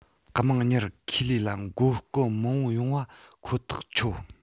དམངས གཉེར ཁེ ལས ལ གོ སྐབས མང པོ ཡོང བ ཁོ ཐག ཆོད